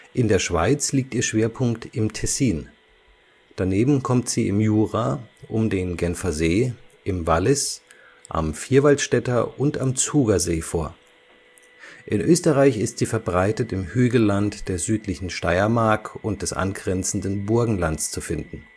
In der Schweiz liegt ihr Schwerpunkt im Tessin. Daneben kommt sie im Jura, um den Genfersee, im Wallis, am Vierwaldstätter und am Zugersee vor. In Österreich ist sie verbreitet im Hügelland der südlichen Steiermark und des angrenzenden Burgenlands zu finden